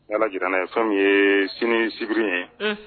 Ni ala jirarana ye fɛn ye sini sibiri ye